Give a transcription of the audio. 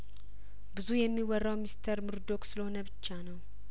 ብዙ የሚወራው ሚስተር ሙርዶክ ስለሆነ ብቻ ነው